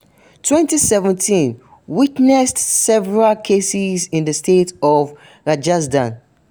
2017 witnessed several cases in the state of Rajasthan.